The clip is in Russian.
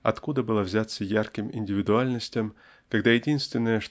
Откуда было взяться ярким индивидуальностям когда единственное